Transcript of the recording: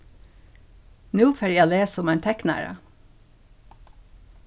nú fari eg at lesa um ein teknara